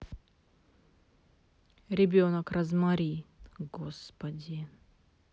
ребенок розмари господи